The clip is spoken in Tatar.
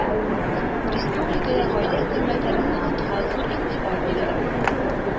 Республикада гаилә кыйммәтләрен ныгытуга зур игътибар бирелә